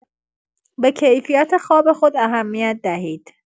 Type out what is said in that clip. به کیفیت خواب خود اهمیت دهید.